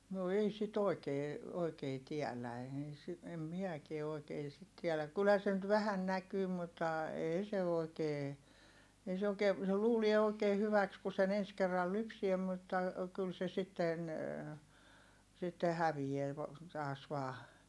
no ei sitä oikein oikein tiedä ei - en minäkään oikein sitä tiedä kyllähän se nyt vähän näkyy mutta ei se oikein ei se oikein se luulee oikein hyväksi kun sen ensi kerralla lypsää mutta kyllä se sitten sitten häviää - taas vain